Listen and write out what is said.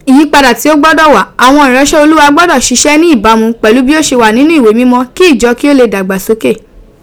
Iyipada ti o gbodo wa, awon iranse Oluwa gbodo sis eni ibamu pelu bi o se wa ninu Iwe mimo ki ijo ki o le dagba soke.